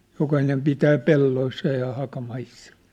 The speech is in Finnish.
jokainen pitää pelloissa ja hakamaissa